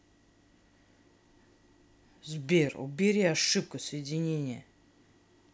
сбер убери ошибку соединения